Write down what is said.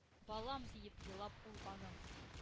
— балам! — диеп, елап, ул аның